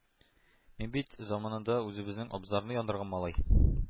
Мин бит заманында үзебезнең абзарны яндырган малай